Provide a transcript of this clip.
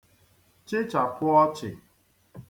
chịchàpụ ọ̄chị̄